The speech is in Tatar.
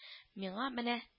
Миңа менә